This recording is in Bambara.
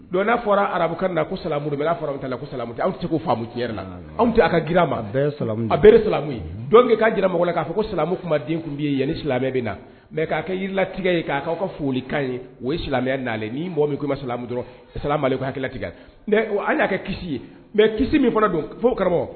Dɔn n'a fɔra arabukan na ko sa bɛ komu anw tɛ semu la anw'a ka g a beremu k'a jiramɔgɔ la k'a fɔ ko silamɛmu kumaden tun bɛ yan silamɛ bɛ na mɛ kɛlatigɛ ye' aw ka foli ka ye o ye silamɛya'len ni mɔgɔmu an y'a ye mɛ kisi min fana don fo karamɔgɔ